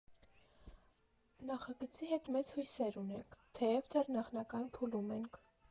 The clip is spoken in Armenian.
«Նախագծի հետ մեծ հույսեր ունենք, թեև դեռ նախնական փուլում ենք։